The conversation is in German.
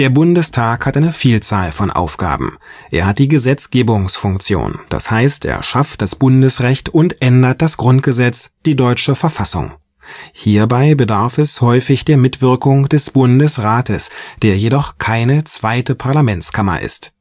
Bundestag hat eine Vielzahl von Aufgaben: Er hat die Gesetzgebungsfunktion, das heißt, er schafft das Bundesrecht und ändert das Grundgesetz, die deutsche Verfassung. Hierbei bedarf es häufig der Mitwirkung des Bundesrats, der jedoch keine zweite Parlamentskammer ist